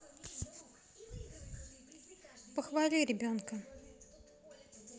похвали ребенка